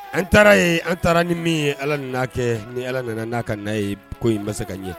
An taara yen an taara ni min ye ala ni n'a kɛ ni ala nana n'a ka' ye ko in bɛ se ka ɲɛ